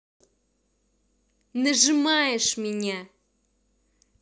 нажимаешь меня